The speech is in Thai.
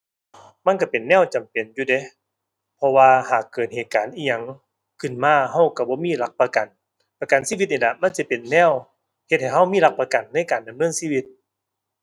มันก็เป็นแนวจำเป็นอยู่เดะ เพราะว่าหากเกิดเหตุการณ์อิหยังขึ้นมาก็ก็บ่มีหลักประกัน ประกันชีวิตนี่ล่ะมันสิเป็นแนวเฮ็ดให้ก็มีหลักประกันในการดำเนินชีวิต